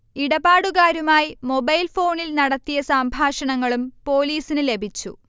ഇടപാടുകാരുമായി മൊബൈൽഫോണിൽ നടത്തിയ സംഭാഷണങ്ങളും പോലീസിന് ലഭിച്ചു